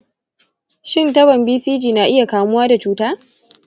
shin tabon bcg na iya kamuwa da cuta?